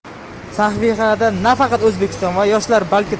sahifada nafaqat o'zbekiston va yoshlar balki